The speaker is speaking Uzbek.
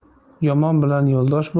yomon bilan yo'ldosh